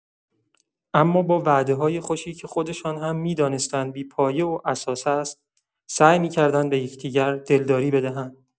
اما با وعده‌های خوشی که خودشان هم می‌دانستند بی‌پایه‌واساس است، سعی می‌کردند به یکدیگر دلداری بدهند.